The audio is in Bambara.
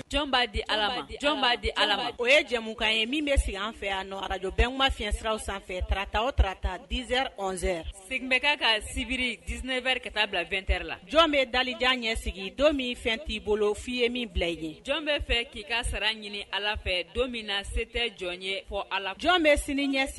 Di di ala o ye jɛmukan ye min bɛ sigi an fɛ araj bɛnma fi fiɲɛyɛnsiraraww sanfɛ tarata o tataz 2 segin bɛ ka ka sibiri ds wɛrɛ ka taa bila2te la jɔn bɛ dalijan ɲɛ sigi don min fɛn t'i bolo f'i ye min bila i ye jɔn bɛ fɛ k'i ka sara ɲini ala fɛ don min na se tɛ jɔn ye fɔ a jɔn bɛ sini ɲɛsin